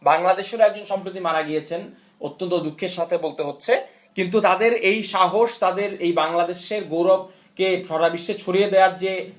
বাংলাদেশের ও একজন সম্প্রতি মারা গিয়েছেন অত্যন্ত দুঃখের সাথে বলতে হচ্ছে কিন্তু তাদের এই সাহস তাদের এই বাংলাদেশের গৌরব কে সারা বিশ্বে ছড়িয়ে দেয়ার যে